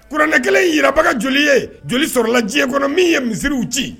Kuranɛ kelen in jirabaga joli ye joli sɔrɔlala diɲɛ kɔnɔ min ye misiw ci